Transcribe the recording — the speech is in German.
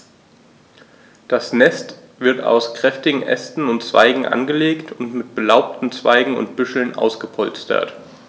Das Nest wird aus kräftigen Ästen und Zweigen angelegt und mit belaubten Zweigen und Büscheln ausgepolstert.